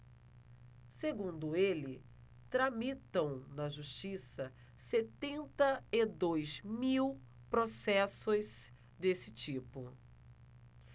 segundo ele tramitam na justiça setenta e dois mil processos desse tipo